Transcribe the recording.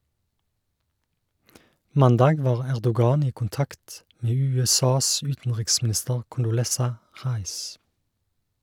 Mandag var Erdogan i kontakt med USAs utenriksminister Condoleezza Rice.